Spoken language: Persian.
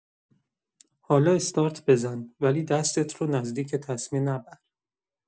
حالا استارت بزن، ولی دستت رو نزدیک تسمه نبر.